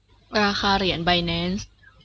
ราคาเหรียญไบแนนซ์